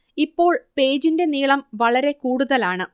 ഇപ്പോൾ പേജിന്റെ നീളം വളരെ കൂടുതൽ ആണ്